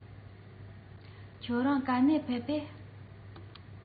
ཁྱེད རང ག ནས ཕེབས པས